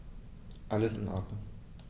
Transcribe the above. Alles in Ordnung.